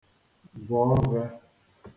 gwọ̀ ove